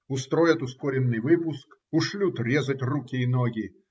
Устроят ускоренный выпуск, ушлют резать руки и ноги.